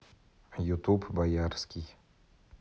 ютуб боярский